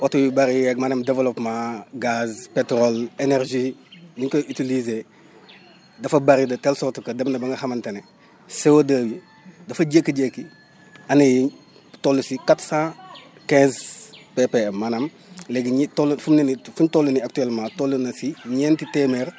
oto yu bëri yeeg maanaam développement gaz pétrole énergie ni ñu koy utiliser dafa bëri de telle sorte que dem na ba nga xamante ne CO2 bi dafa jékki-jékki année yii toll si quatre cen quinze PPM maanaam léegi ñi toll fu mu ne nii fi mu toll nii actuellement toll na si ñeenti téeméer